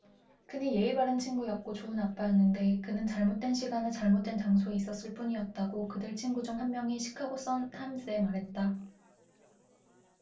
그는 예의 바른 친구였고 좋은 아빠였는데 그는 잘못된 시간에 잘못된 장소에 있었을 뿐이었다고 그들 친구 중 한 명이 시카고 선타임스에 말했다